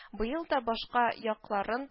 Быел да башка якларын